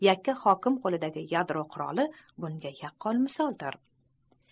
yakka hokim qo'lidagi yadro quroli bunga yaqqol misoldir